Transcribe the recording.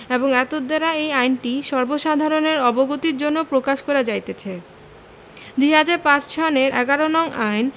এবং এতদ্বারা এই আইনটি সর্বসাধারণের অবগতির জন্য প্রকাশ করা যাইতেছে ২০০৫ সনের ১১ নং আইন